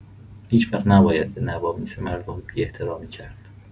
هیچ‌وقت نباید به نوامیس مردم بی‌احترامی کرد.